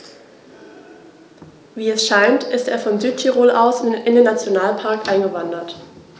Wie es scheint, ist er von Südtirol aus in den Nationalpark eingewandert.